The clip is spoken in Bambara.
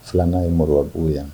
Filanan bɛ Moribabugu yan